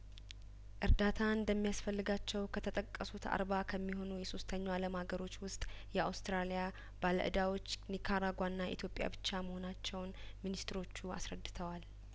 እርዳታ እንደሚያስፈልጋቸው ከተጠቀሱት አርባ ከሚሆኑ የሶስተኛው አለም ሀገሮች ውስጥ የአውስትራሊያ ባለ እዳዎች ኒካራጓና ኢትዮጵያ ብቻ መሆናቸውን ሚኒስትሮቹ አስረድተዋል